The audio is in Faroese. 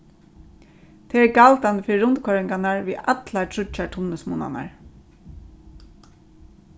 tað er galdandi fyri rundkoyringarnar við allar tríggjar tunnilsmunnarnar